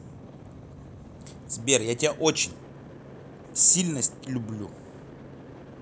сбер я тебя очень сильно люблю